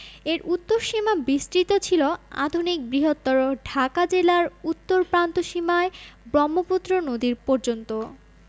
এর উত্তর সীমা বিস্তৃত ছিল আধুনিক বৃহত্তর ঢাকা জেলার উত্তর প্রান্তসীমায় ব্রহ্মপুত্র নদী পর্যন্ত